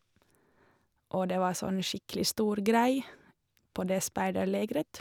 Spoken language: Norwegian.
Og det var sånn skikkelig stor greie på det speiderlägret.